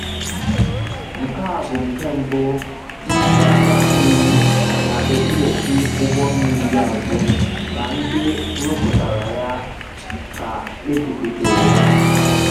Nke a bụ nke mbụ Ndị Agha Mmiri na-ebughachi ụgbọ mmiri azụ na ndị rụpụtara ya ka ebutechara ya.